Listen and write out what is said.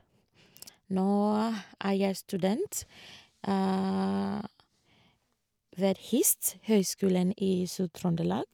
Nå er jeg student ved HiST, Høgskolen i Sør-Trøndelag.